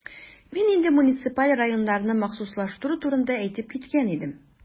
Мин инде муниципаль районнарны махсуслаштыру турында әйтеп киткән идем.